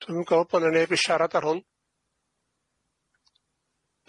Dwi'm yn gwel' bo 'na neb i sharad ar hwn.